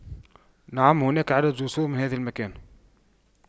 نعم هناك عدد رسوم هذا المكان